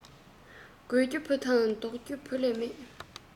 དགོས རྒྱུ བུ དང འདེགས རྒྱུ བུ ལས མེད